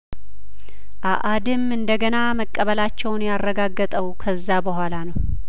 አአድም እንደገና መቀበላቸውን ያረጋገጠው ከዛ በኋላ ነው